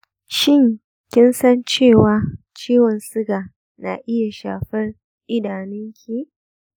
shin kin san cewa ciwon suga na iya shafar idanunki?